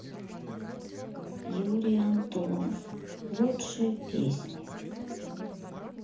юрий антонов лучшие песни